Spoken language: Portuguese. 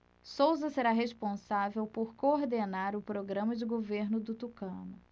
souza será responsável por coordenar o programa de governo do tucano